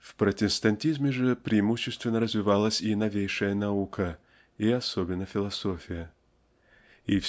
В протестантизме же преимущественно развивалась и новейшая наука и особенно философия. И .